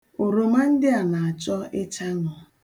Oroma ndịa na-achọ ịchaṅụ.